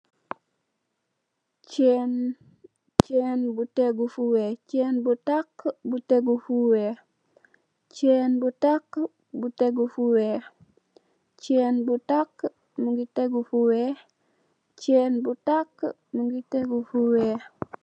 Cheen bu taak, mungi tegu fu weeh.